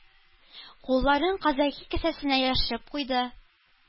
Кулларын казаки кесәсенә яшереп куйды.